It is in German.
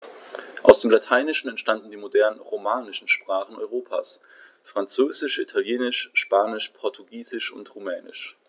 Aus dem Lateinischen entstanden die modernen „romanischen“ Sprachen Europas: Französisch, Italienisch, Spanisch, Portugiesisch und Rumänisch.